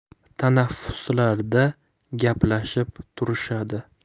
tanaffuslarda gaplashib turishadi